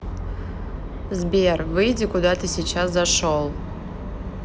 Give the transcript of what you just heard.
сбер выйди куда ты сейчас зашел